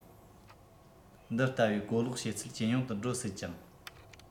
འདི ལྟ བུའི གོ ལོག བྱེད ཚད ཇེ ཉུང དུ འགྲོ སྲིད ཅིང